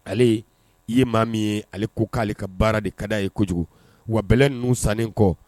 Ale, i ye maa min ye ale ko k'ale ka baara de ka d'a ye kojugu wa bɛlɛ ninnu sannen kɔ